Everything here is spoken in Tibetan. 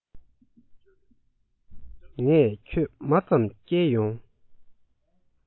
ངས ཁྱོད མར ཙམ སྐྱེལ ཡོང